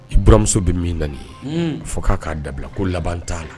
I baramuso bɛ min dan nin ye fo k'a k'a dabila ko laban t'a la